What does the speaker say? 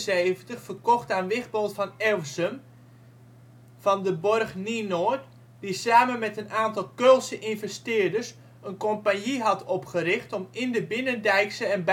1573 verkocht aan Wigbold van Ewsum van de borg Nienoord die samen met een aantal Keulse investeerders een compagnie had opgericht om in de binnendijkse en